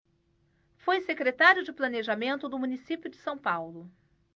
foi secretário de planejamento do município de são paulo